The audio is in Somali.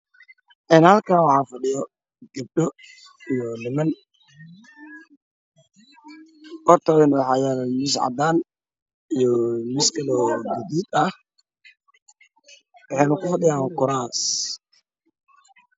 Halkàani waxaa fadhiyo gabdho iyo niman hortoodana waxaa yaalo miis cadaan iyo miis kale oo gaduud ah waxayna ku fadhiyaan kuraas .